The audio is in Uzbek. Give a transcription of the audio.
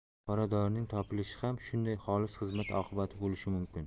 qora dorining topilishi ham shunday xolis xizmat oqibati bo'lishi mumkin